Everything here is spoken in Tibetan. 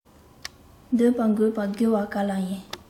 འདོད པ འགོག པ དགེ བ ག ལ ཡིན